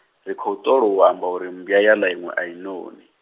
ri khou tholo u amba uri mmbwa ya ḽa iṅwe a i noni.